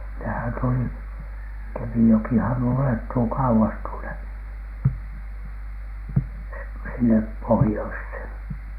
nehän tuli Kemijokihan ulottuu kauas tuonne sinne pohjoiseen